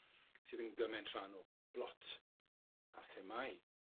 Sydd yn gyment rhan o blot, a themâu